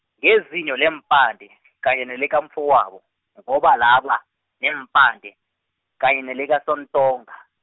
nguzinyo leempande , kanye nelikamfowabo, ngoba laba, neempande, kanye nelikaSoNtonga.